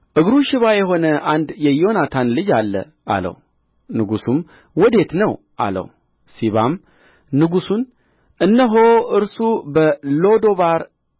እግሩ ሽባ የሆነ አንድ የዮናታን ልጅ አለ አለው ንጉሡም ወዴት ነው አለው ሲባም ንጉሡን እነሆ እርሱ በሎዶባር